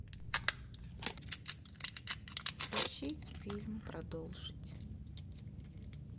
включи фильм продолжить